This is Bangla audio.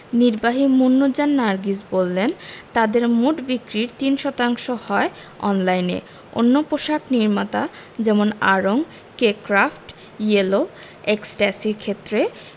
নির্বাহী মুন্নুজান নার্গিস বললেন তাঁদের মোট বিক্রির ৩ শতাংশ হয় অনলাইনে অন্য পোশাক নির্মাতা যেমন আড়ং কে ক্র্যাফট ইয়েলো এক্সট্যাসির ক্ষেত্রে